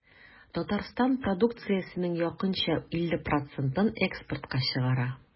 Татарстан продукциясенең якынча 50 процентын экспортка чыгара.